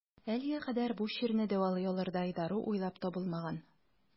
Әлегә кадәр бу чирне дәвалый алырдай дару уйлап табылмаган.